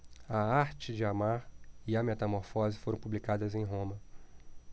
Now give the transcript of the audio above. a arte de amar e a metamorfose foram publicadas em roma